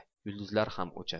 yulduzlar ham o'chadi